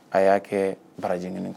A y'a kɛ barajɛ ɲini